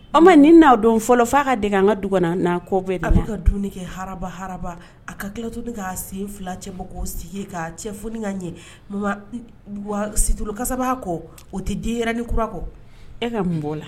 O ma nin n'a dɔn fɔlɔ'a ka dege an ka dugna n'a kɔ bɛ a bɛ ka dumuni kɛ haraba haraba a ka kira to bɛ k' sen fila cɛ ma' sigi ka cɛfoni ka ɲɛ wa situkasa kɔ o tɛ di yɛrɛli kura kɔ e ka mun b'o la